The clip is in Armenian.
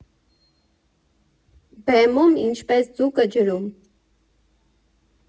Բեմում՝ ինչպես ձուկը ջրում։